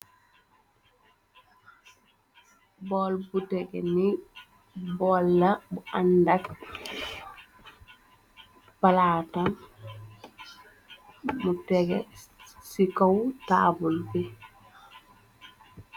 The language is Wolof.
bol bu tege ni bola bu andak palata mu tege ci kow tabul bi